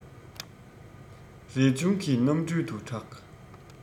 རས ཆུང གི རྣམ སྤྲུལ དུ གྲགས